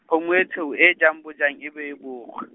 -om tshweu e jang bojang e be e bo kgwa.